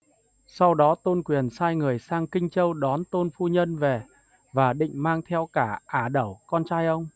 sau đó tôn quyền sai người sang kinh châu đón tôn phu nhân về và định mang theo cả a đẩu con trai ông